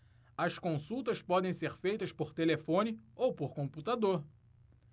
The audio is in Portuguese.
as consultas podem ser feitas por telefone ou por computador